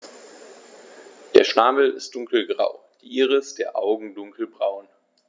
Der Schnabel ist dunkelgrau, die Iris der Augen dunkelbraun.